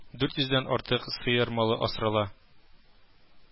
Дүрт йөздән артык сыер малы асрала